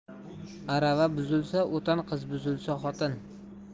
arava buzilsa o'tin qiz buzilsa xotin